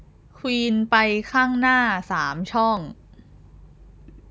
ควีนไปข้างหน้าสามช่อง